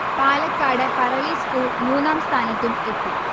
Palakkad Parali school മൂന്നാം സ്ഥാനത്തും എത്തി